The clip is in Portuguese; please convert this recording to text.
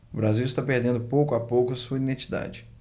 o brasil está perdendo pouco a pouco a sua identidade